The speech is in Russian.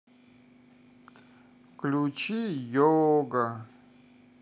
включи йога